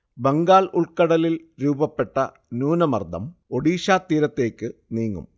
ബംഗാൾ ഉൾക്കടലിൽ രൂപപ്പെട്ട ന്യൂനമർദം ഒഡിഷാതീരത്തേക്ക് നീങ്ങും